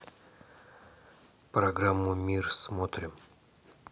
программу мир смотрим